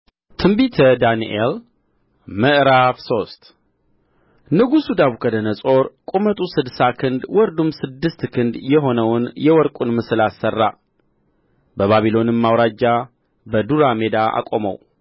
ትንቢተ ዳንኤል ምዕራፍ ሶስት ንጉሡ ናቡከደነፆር ቁመቱ ስድሳ ክንድ ወርዱም ስድስት ክንድ የሆነውን የወርቁን ምስል አሠራ በባቢሎንም አውራጃ በዱራ ሜዳ አቆመው